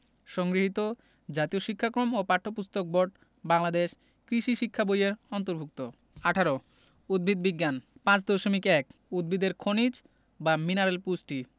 সংগৃহীত জাতীয় শিক্ষাক্রম ও পাঠ্যপুস্তক বোর্ড বাংলাদেশ কৃষি শিক্ষা বই এর অন্তর্ভুক্ত ১৮ উদ্ভিদ বিজ্ঞান ৫.১ উদ্ভিদের খনিজ বা মিনারেল পুষ্টি